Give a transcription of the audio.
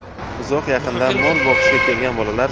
uzoq yaqindan mol boqishga kelgan bolalar